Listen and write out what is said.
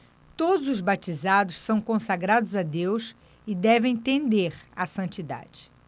todos os batizados são consagrados a deus e devem tender à santidade